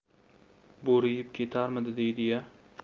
bo'ri yeb ketarmidi deydiya